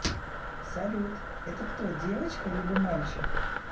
салют это кто девочка либо мальчик